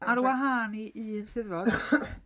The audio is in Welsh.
Ar wahân i un 'Steddfod .